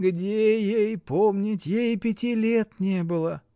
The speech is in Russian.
— Где ей помнить: ей и пяти лет не было.